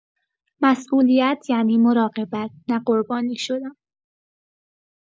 مسئولیت یعنی مراقبت، نه قربانی شدن.